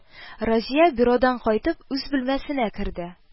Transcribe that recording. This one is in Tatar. Разия, бюродан кайтып, үз бүлмәсенә керде